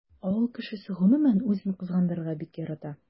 Авыл кешесе гомумән үзен кызгандырырга бик ярата.